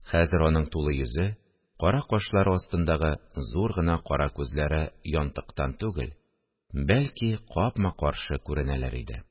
Хәзер аның тулы йөзе, кара кашлары астындагы зур гына кара күзләре янтыктан түгел, бәлки капма-каршы күренәләр иде